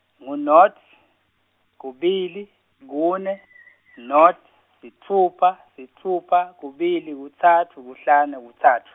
ngu naught, kubili, kune, naught, sitfupha, sitfupha, kubili, kutsatfu, kuhlanu, kutsatfu.